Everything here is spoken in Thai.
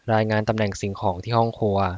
รายงานตำแหน่งสิ่งของที่ห้องครัว